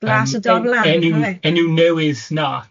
Glas y Dorlan... Enw, enw newydd 'na, ie